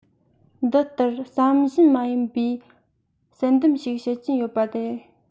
འདི ལྟར བསམ བཞིན མ ཡིན པའི བསལ འདེམས ཤིག བྱེད ཀྱིན ཡོད པ རེད